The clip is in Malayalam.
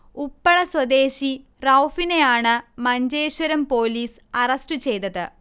ഉപ്പള സ്വദേശി റൗഫിനെയാണ് മഞ്ചേശ്വരം പോലീസ് അറസ്റ്റു ചെയ്തത്